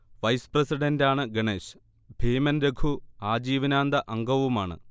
vice പ്രസിഡന്റാണ് ഗണേശ്, ഭീമൻരഘു ആജീവനാന്ത അംഗവുമാണ്